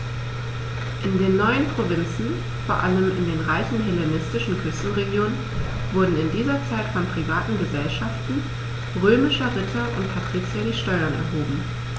In den neuen Provinzen, vor allem in den reichen hellenistischen Küstenregionen, wurden in dieser Zeit von privaten „Gesellschaften“ römischer Ritter und Patrizier die Steuern erhoben.